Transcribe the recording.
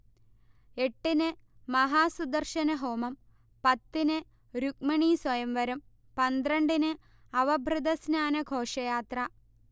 എട്ടിന് മഹാസുദർശനഹോമം, പത്തിന് രുക്മിണീസ്വയംവരം, പന്ത്രണ്ടിന് അവഭൃഥസ്നാന ഘോഷയാത്ര